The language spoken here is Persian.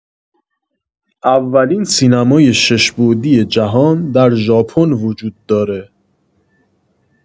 اولین سینمای شش بعدی جهان در ژاپن وجود داره